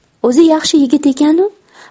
o'zi yaxshi yigit ekan u